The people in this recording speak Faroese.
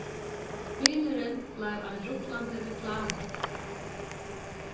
bilurin bleiv ein rullandi reklama